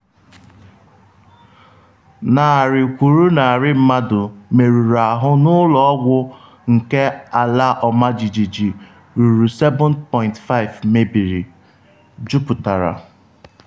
Narị kwụrụ narị mmadụ merụrụ ahụ na ụlọ ọgwụ nke ala ọmajiji ruru 7.5 mebiri, juputara.